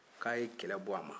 k'a ye kɛlɛ bɔ a ma